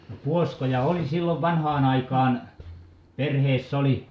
no puoskia oli silloin vanhaan aikaan perheessä oli